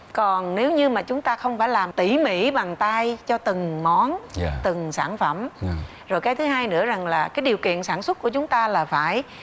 còn nếu như mà chúng ta không phải làm tỉ mỉ bằng tay cho từng món từng sản phẩm rồi cái thứ hai nữa rằng là cái điều kiện sản xuất của chúng ta là phải